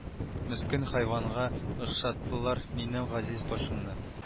Мескен хайванга охшаттылар минем газиз башымны